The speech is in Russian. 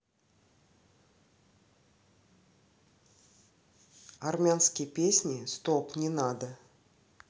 армянские песни стоп не надо